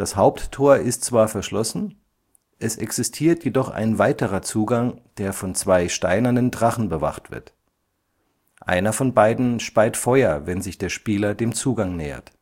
Haupttor ist zwar verschlossen, es existiert jedoch ein weiterer Zugang, der von zwei steinernen Drachen bewacht wird. Einer von beiden speit Feuer, wenn sich der Spieler dem Zugang nähert